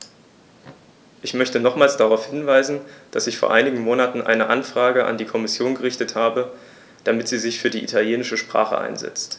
Ich möchte nochmals darauf hinweisen, dass ich vor einigen Monaten eine Anfrage an die Kommission gerichtet habe, damit sie sich für die italienische Sprache einsetzt.